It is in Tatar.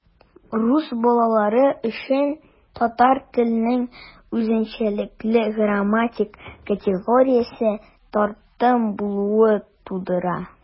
Рус балалары өчен татар теленең үзенчәлекле грамматик категориясе - тартым булуы тудыра.